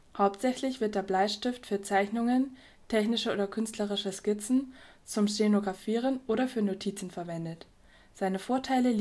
Hauptsächlich wird der Bleistift für Zeichnungen, technische oder künstlerische Skizzen, zum Stenografieren oder für Notizen verwendet. Seine Vorteile